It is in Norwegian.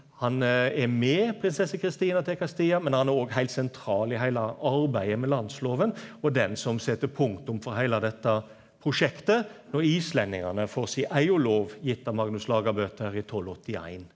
han er med prinsesse Kristina til Castilla, men han er òg heilt sentral i arbeidet med landsloven og den som set punktum for heile dette prosjektet når islendingane får sin eigen lov gitt av Magnus Lagabøte i tolvåttiéin.